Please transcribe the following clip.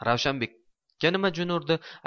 ravshanbekni nima jin urdi